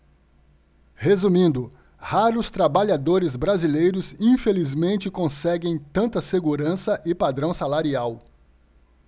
resumindo raros trabalhadores brasileiros infelizmente conseguem tanta segurança e padrão salarial